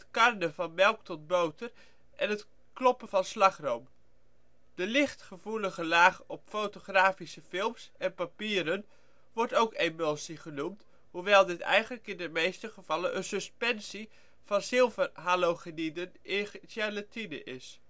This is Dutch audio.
karnen van melk tot boter en het kloppen van slagroom. De lichtgevoelige laag op fotografische films en papieren wordt ook emulsie genoemd, hoewel dit eigenlijk in de meeste gevallen een suspensie van zilverhalogeniden in gelatine is